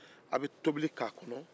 a bɛ tobili kɛ a kɔnɔ